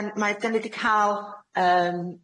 Yym dan- mae 'den ni 'di ca'l yym